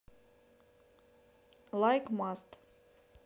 лайк маст